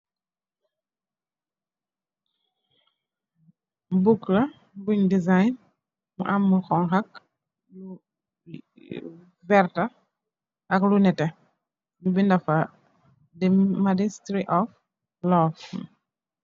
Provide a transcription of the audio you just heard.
Book la bunj design munge am lu xong khu ak lu werta ak neteh nyu bindah fa the majestry of love